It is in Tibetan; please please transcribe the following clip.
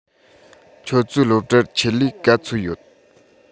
ཁྱོད ཚོའི སློབ གྲྭར ཆེད ལས ག ཚོད ཡོད